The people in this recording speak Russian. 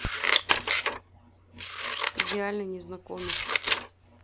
идеальный незнакомец